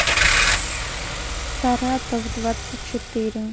саратов двадцать четыре